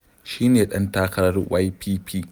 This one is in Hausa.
Shi ne ɗan takarar YPP.